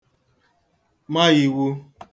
ma īwū